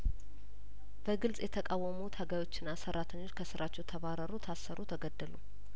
በግልጽ የተቃወሙ ታጋዮችና ሰራተኞች ከስራቸው ተባረሩ ታሰሩ ተገደሉም